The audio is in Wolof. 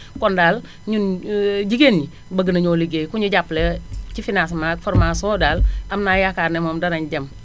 kon daal ñun jigéen ñi bëgg nañoo ligéey ku ñu jàppale ci financement ak formation daal am naa yakaar ne moom danañ dem